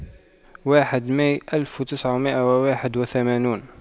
واحد ماي ألف وتسعمئة وواحد وثمانون